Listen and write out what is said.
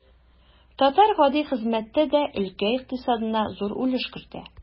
Татар гади хезмәттә дә өлкә икътисадына зур өлеш кертә.